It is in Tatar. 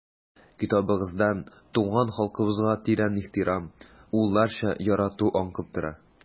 Китабыгыздан туган халкыбызга тирән ихтирам, улларча ярату аңкып тора.